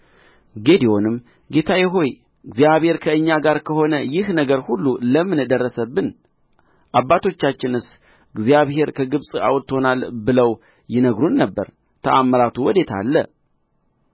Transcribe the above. ጌዴዎንም ጌታዬ ሆይ እግዚአብሔር ከእኛ ጋር ከሆነ ይህ ነገር ሁሉ ለምን ደረሰብን አባቶቻችንስ እግዚአብሔር ከግብፅ አውጥቶናል ብለው ይነግሩን የነበረ ተአምራቱ ወዴት አለ ወዴት አለ